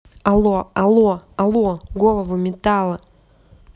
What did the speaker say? алло алло алло голову метало